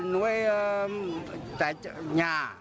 nuôi tại nhà